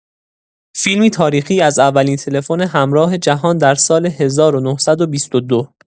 فیلمی تاریخی از اولین تلفن همراه جهان در سال ۱۹۲۲